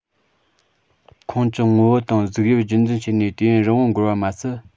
ཁོངས ཀྱི ངོ བོ དང གཟུགས དབྱིབས རྒྱུད འཛིན བྱས ནས དུས ཡུན རིང པོ འགོར བ མ ཟད